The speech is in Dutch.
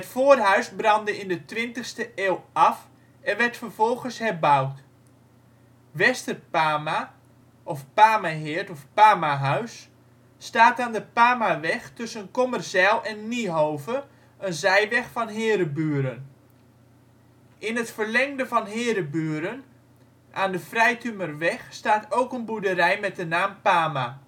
brandde in de 20e eeuw af en werd vervolgens herbouwd. Westerpama (Wester Pama, Pamaheerd, Pamahuis) staat aan de Pamaweg tussen Kommerzijl en Niehove (zijweg van Heereburen). In het verlengde van Heereburen, aan de Frijtumerweg, staat ook een boerderij met de naam Pama